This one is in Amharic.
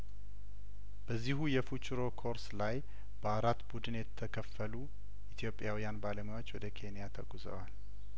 በዚሁ የፉቹሮ ኮርስ ላይ በአራት ቡድን የተከፈሉ ኢትዮጵያውያን ባለሙያዎች ወደ ኬንያ ተጉዘዋል